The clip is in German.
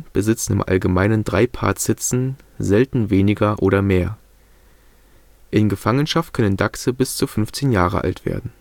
besitzen im Allgemeinen drei Paar Zitzen, seltener weniger oder mehr. In Gefangenschaft können Dachse bis zu 15 Jahre alt werden